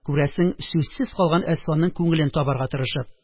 Күрәсең, сүзсез калган әсфанның күңелен табарга тырышып,